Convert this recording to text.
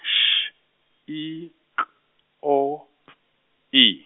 X, I, K, O, P, I.